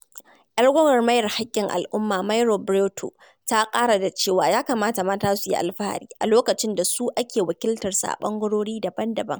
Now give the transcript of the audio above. Yar gwagwarmayar haƙƙin al'umma, Mauro Brito, ta ƙara da cewa ya kamata mata su yi alfahari "a lokacin da su ake wakiltarsu a ɓangarori daban-daban":